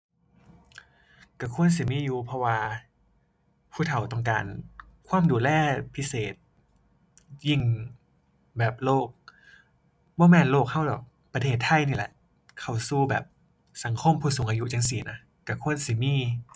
ก็ควรสิมีอยู่ เพราะว่าผู้เฒ่าต้องการความดูแลพิเศษ ยิ่งแบบโลก บ่แม่นโลกก็หรอก ประเทศไทยนี้แหละ เข้าสู่แบบสังคมผู้สูงอายุจั่งซี้น่ะ ก็ควรสิมี